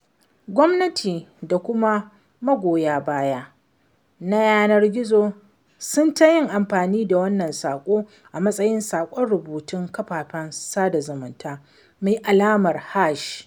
Gwamnati da kuma magoya baya na yanar gizo sun ta yin amfani da wannan saƙo a matsayin salon rubutun kafafen sada zumunta mai alamar hash.